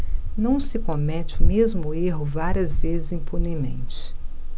não se comete o mesmo erro várias vezes impunemente